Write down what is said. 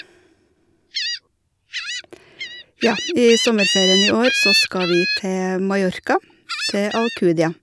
Ja, i sommerferien i år så skal vi til Mallorca, til Alcudia.